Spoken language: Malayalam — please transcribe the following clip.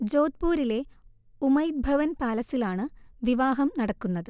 ജോഥ്പൂരിലെ ഉമൈദ് ഭവൻ പാലസിലാണ് വിവാഹം നടക്കുന്നത്